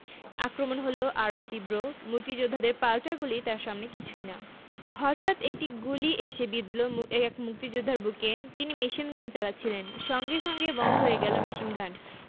আক্রমণ হলো আরও তীব্র মুক্তিযোদ্ধাদের পাল্টা গুলি তার সামনে কিছুই না হতাৎ একটা গুলি এসে বিঁধল এক মুক্তিযোদ্ধার বুকে তিনি মেশিনগান চালাচ্ছিলেন সঙ্গে সঙ্গে বন্ধ হয়ে গেল মেশিনগান